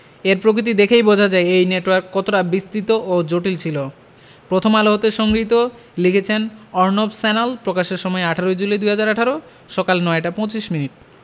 এর প্রকৃতি দেখেই বোঝা যায় এই নেটওয়ার্ক কতটা বিস্তৃত ও জটিল ছিল প্রথম আলো হতে সংগৃহীত লিখেছেন অর্ণব স্যান্যাল প্রকাশের সময় ১৮ ই জুলাই ২০১৮ সকাল ৯টা ২৫ মিনিট